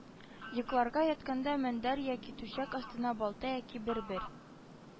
Йокларга ятканда мендәр яки түшәк астына балта яки бер-бер